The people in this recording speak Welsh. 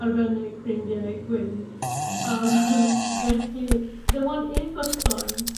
Arbennig ffrindiau gwyn. A felly, dim ond un person